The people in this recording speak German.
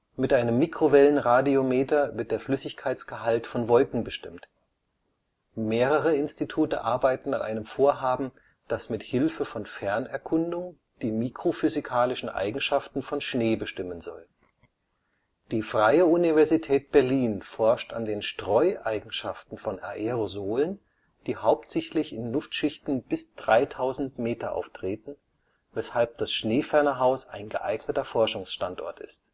Mit einem Mikrowellen-Radiometer wird der Flüssigkeitsgehalt von Wolken bestimmt. Mehrere Institute arbeiten an einem Vorhaben, das mit Hilfe von Fernerkundung die mikrophysikalischen Eigenschaften von Schnee bestimmen soll. Die Freie Universität Berlin forscht an den Streueigenschaften von Aerosolen, die hauptsächlich in Luftschichten bis 3000 Meter auftreten, weshalb das Schneefernerhaus ein geeigneter Forschungsstandort ist